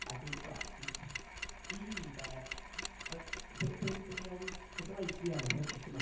A dwi'n tibod dwi i fi de yy be be be oedd y y delight fi am y prosiect yma